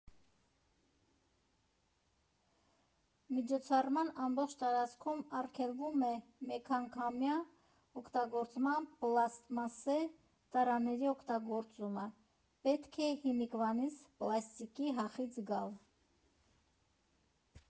Միջոցառման ամբողջ տարածքում արգելվելու է մեկանգամյա օգտագործման պլաստմասե տարաների օգտագործումը, պետք է հիմիկվանից պլաստիկի հախից գալ։